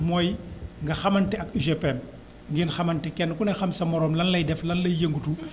mooy nga xamante ak UGPM ngeen xamante kenn ku ne xam s morom lan lay def lan ay yëngatu